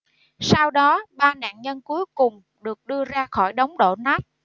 sau đó ba nạn nhân cuối cùng được đưa ra khỏi đống đổ nát